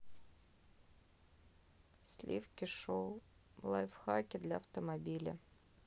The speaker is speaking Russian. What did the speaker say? сливки шоу лайфхаки для автомобиля